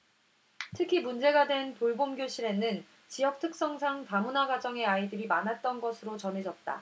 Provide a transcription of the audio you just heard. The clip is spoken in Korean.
특히 문제가 된 돌봄교실에는 지역 특성상 다문화 가정의 아이들이 많았던 것으로 전해졌다